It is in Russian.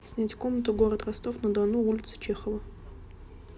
снять комнату город ростов на дону улица чехова